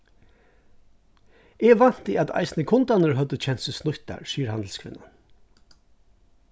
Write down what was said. eg vænti at eisini kundarnir høvdu kent seg snýttar sigur handilskvinnan